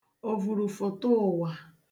òvùrùfụ̀taụ̀wà